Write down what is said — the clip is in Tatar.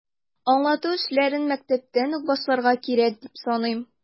Аңлату эшләрен мәктәптән үк башларга кирәк, дип саныйм.